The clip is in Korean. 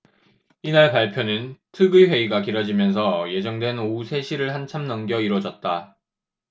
이날 발표는 특위 회의가 길어지면서 예정된 오후 세 시를 한참 넘겨 이뤄졌다